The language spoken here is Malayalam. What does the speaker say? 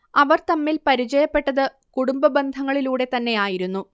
അവർ തമ്മിൽ പരിചയപ്പെട്ടത് കുടുംബ ബന്ധങ്ങളിലൂടെതന്നെയായിരുന്നു